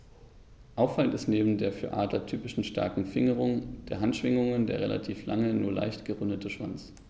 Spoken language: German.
Auffallend ist neben der für Adler typischen starken Fingerung der Handschwingen der relativ lange, nur leicht gerundete Schwanz.